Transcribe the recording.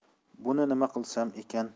buni nima qilsam ekan